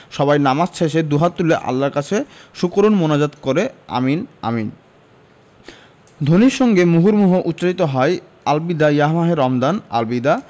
সবাই নামাজ শেষে দুহাত তুলে আল্লাহর কাছে সকরুণ মোনাজাত করে আমিন আমিন ধ্বনির সঙ্গে মুহুর্মুহু উচ্চারিত হয় আল বিদা ইয়া মাহে রমদান আল বিদা